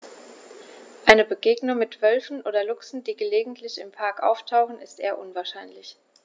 Eine Begegnung mit Wölfen oder Luchsen, die gelegentlich im Park auftauchen, ist eher unwahrscheinlich.